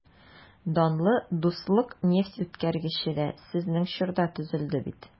Данлы «Дуслык» нефтьүткәргече дә сезнең чорда төзелде бит...